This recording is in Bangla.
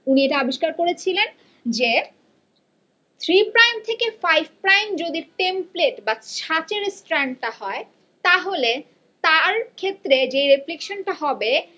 উনি এটা আবিস্কার করেছিলেন যে থ্রি প্রাইম থেকে ফাইভ প্রাইম যদি টেমপ্লেট বা ছাঁচের স্ট্র্যান্ড টা হয় তাহলে তার ক্ষেত্রে যে রেপ্লিকাশন তা হবে